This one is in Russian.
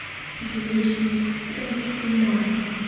двуличная сестренка умару